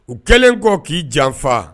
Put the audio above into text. U kɛlen kɔ k'i janfa